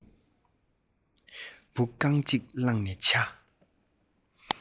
འབུ རྐང གཅིག བླངས ནས འཆའ